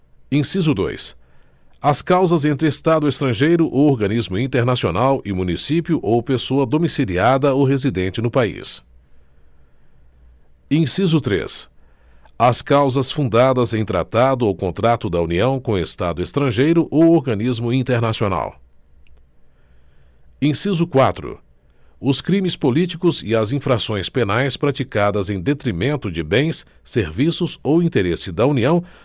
inciso dois as causas entre estado estrangeiro ou organismo internacional e município ou pessoa domiciliada ou residente no país inciso três as causas fundadas em tratado ou contrato da união com estado estrangeiro ou organismo internacional inciso quatro os crimes políticos e as infrações penais praticadas em detrimento de bens serviços ou interesse da união